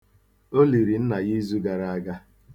O liri nna ya izu gara aga.